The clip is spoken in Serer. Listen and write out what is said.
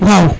waaw